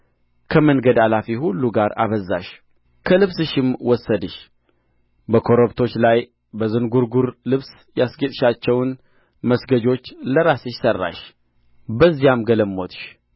ከመንገድ አላፊ ሁሉ ጋር አበዛሽ ከልብስሽም ወስደሽ በኮረብቶች ላይ በዝንጕርጕር ልብስ ያስጌጥሻቸውን መስገጆች ለራስሽ ሠራሽ በዚያም ገለሞትሽ